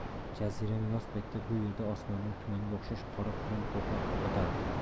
jazirama yoz paytida bu yerda osmonni tumanga o'xshash qora qurum qoplab yotardi